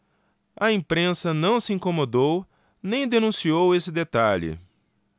a imprensa não se incomodou nem denunciou esse detalhe